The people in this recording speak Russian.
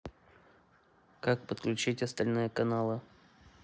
как подключить остальные каналы